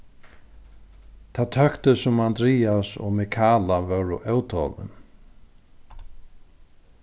tað tóktist sum andrias og mikala vóru ótolin